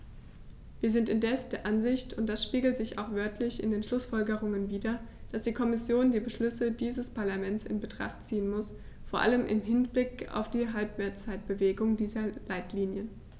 Wir sind indes der Ansicht und das spiegelt sich auch wörtlich in den Schlussfolgerungen wider, dass die Kommission die Beschlüsse dieses Parlaments in Betracht ziehen muss, vor allem im Hinblick auf die Halbzeitbewertung dieser Leitlinien.